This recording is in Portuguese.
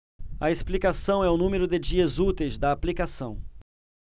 a explicação é o número de dias úteis da aplicação